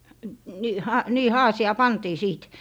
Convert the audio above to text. -- niin haasiaan pantiin siitä